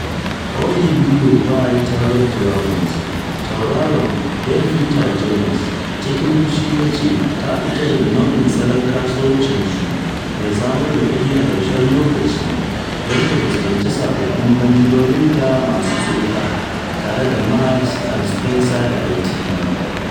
Holly Willoughby ta bar Dragons" tauraron Den Peter Jones cikin fushi ya ce ta fita daga nau’in salon kasuwancinsu mai samar da kuɗi a ƙarshen Lokaci- don ta fuskanci sababbin kwangilolinta masu tsoka tare da Marks & Spencer da ITV